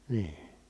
niin